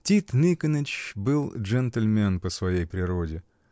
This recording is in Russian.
Тит Никоныч был джентльмен по своей природе.